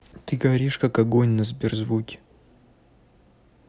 ты горишь как огонь на сберзвуке